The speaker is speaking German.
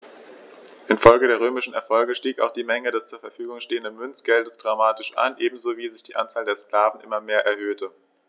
Infolge der römischen Erfolge stieg auch die Menge des zur Verfügung stehenden Münzgeldes dramatisch an, ebenso wie sich die Anzahl der Sklaven immer mehr erhöhte.